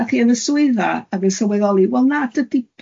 dach chi yn y swyddfa ac yn yn sylweddoli, wel na, dydi